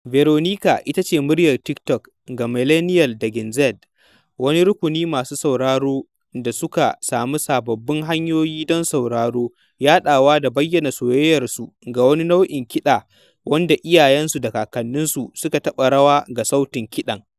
Veronica ita ce muryar TikTok ga millennial da Gen Z — wani rukunin masu sauraro da suka sami sababbin hanyoyi don sauraro, yaɗawa da bayyana soyayyarsu ga wani nau’in kiɗa wanda iyayensu da kakanninsu suka taɓa rawa ga sautin kiɗan.